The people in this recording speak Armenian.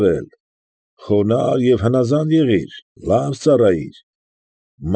Արել, խոնարհ և հնաղանդ եղիր, լավ ծառայիր։